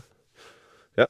Ja.